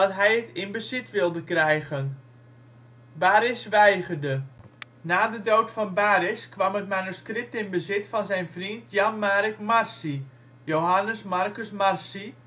het in bezit wilde krijgen. Baresch weigerde. Na de dood van Baresch kwam het manuscript in bezit van zijn vriend Jan Marek Marci (Johannes Marcus Marci